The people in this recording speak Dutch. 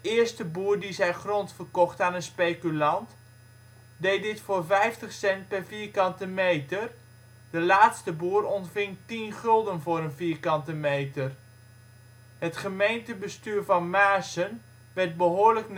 eerste boer die zijn grond verkocht aan een speculant deed dit voor 50 cent per vierkante meter. De laatste boer ontving 10 gulden voor een vierkante meter. Het gemeentebestuur van Maarssen werd behoorlijk